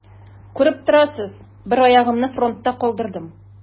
Күреп торасыз: бер аягымны фронтта калдырдым.